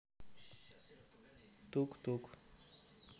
тук тук